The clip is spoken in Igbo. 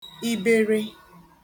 ibere